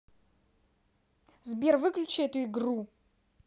сбер выключи эту игру